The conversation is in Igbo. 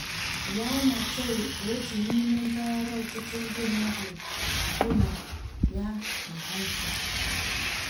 Yau Ma Tei bụ otu n'ime mpaghara ọtụtụ ndị mmadụ bi na ya na Hong Kong.